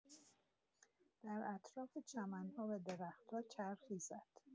در اطراف چمن‌ها و درخت‌ها چرخی زد.